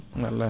wallahi